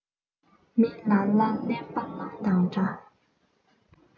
མི ལ ལ གླེན པ གླང དང འདྲ